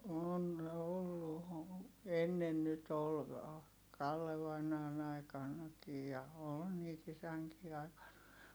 on ollut - ennen nyt oli Kalle vainaan aikanakin ja oli niitä isänkin aikana